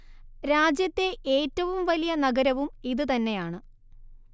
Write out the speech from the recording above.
രാജ്യത്തെ ഏറ്റവും വലിയ നഗരവും ഇത് തന്നെയാണ്